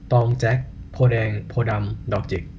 ตองแจ็คโพธิ์แดงโพธิ์ดำดอกจิก